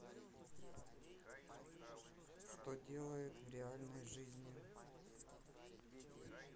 что делает в реальной жизни